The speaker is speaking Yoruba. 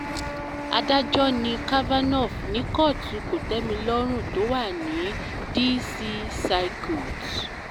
Adájọ́ ni Kavanaugh ní Kọ́ọ̀tù Kòtẹ́milọ́rùn tó wà ní D.C. Circuit.